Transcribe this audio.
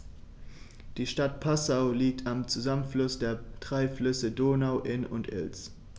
Die Stadt Passau liegt am Zusammenfluss der drei Flüsse Donau, Inn und Ilz.